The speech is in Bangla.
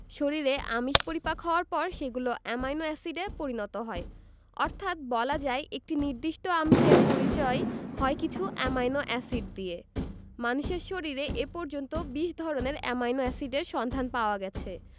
শরীরে আমিষ পরিপাক হওয়ার পর সেগুলো অ্যামাইনো এসিডে পরিণত হয় অর্থাৎ বলা যায় একটি নির্দিষ্ট আমিষের পরিচয় হয় কিছু অ্যামাইনো এসিড দিয়ে মানুষের শরীরে এ পর্যন্ত ২০ ধরনের অ্যামাইনো এসিডের সন্ধান পাওয়া গেছে